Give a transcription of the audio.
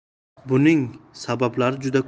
buning sabablari juda